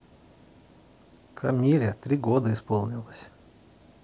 камиля три года исполнилось